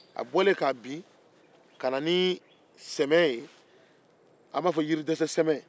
a bɔlen k'a bin ka na ni sɛmɛ ye